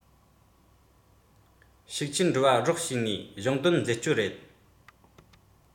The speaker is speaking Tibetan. ཤུགས ཆེར འགྲོ བར རོགས བྱས ནས གཞུང དོན འཛད སྤྱོད རེད